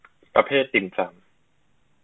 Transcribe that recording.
ประเภทติ่มซำ